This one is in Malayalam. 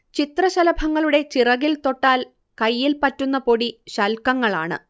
ചിത്രശലഭങ്ങളുടെ ചിറകിൽത്തൊട്ടാൽ കൈയിൽ പറ്റുന്ന പൊടി ശൽക്കങ്ങളാണ്